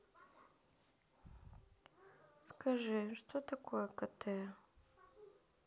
скажи что такое кт